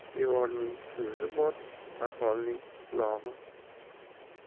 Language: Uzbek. devorning ko'zi bor sarxolning qulog'i